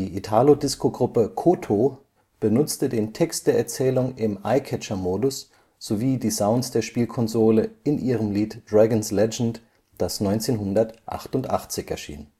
Italo-Disco-Gruppe Koto benutzte den Text der Erzählung im Eyecatcher-Modus sowie die Sounds der Spielkonsole in ihrem Lied Dragon’ s Legend, das 1988 erschien